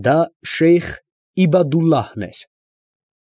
Դա Շեյխ Իբադուլլահն էր։